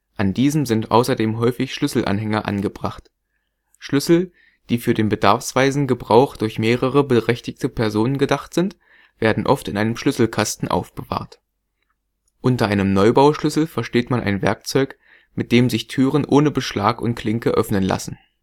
An diesem sind außerdem häufig Schlüsselanhänger angebracht. Schlüssel, die für den bedarfsweisen Gebrauch durch mehrere berechtigte Personen gedacht sind, werden oft in einem Schlüsselkasten aufbewahrt. Unter einem Neubauschlüssel versteht man ein Werkzeug, mit dem sich Türen ohne Beschlag und Klinke öffnen lassen